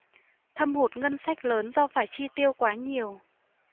thâm hụt ngân sách lớn do phải chi tiêu quá nhiều